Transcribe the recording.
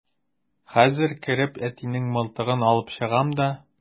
Хәзер кереп әтинең мылтыгын алып чыгам да...